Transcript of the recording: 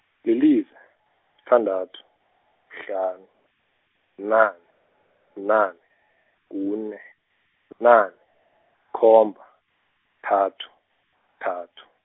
lilize, sithandathu, kuhlanu, bunane, bunane, kune, bunane, khomba, kuthathu, kuthathu.